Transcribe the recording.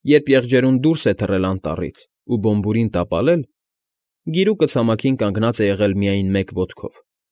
Երբ եղջերուն դուրս է թռել անտառից ու Բոմբուրին տապալել, գիրուկը ցամաքին կանգնած է եղել միայն մեկ ոտքով։